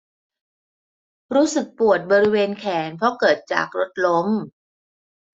รู้สึกปวดบริเวณแขนเพราะเกิดจากรถล้ม